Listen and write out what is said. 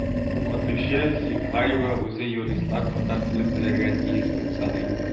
Укытучы Сибгаева үзе юристлар татар телен белергә тиеш дип саный.